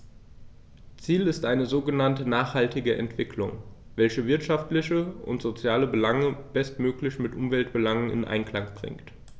Ziel ist eine sogenannte nachhaltige Entwicklung, welche wirtschaftliche und soziale Belange bestmöglich mit Umweltbelangen in Einklang bringt.